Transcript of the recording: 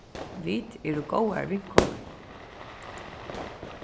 vit eru góðar vinkonur